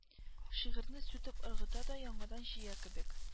Шигырьне сүтеп ыргыта да яңадан җыя кебек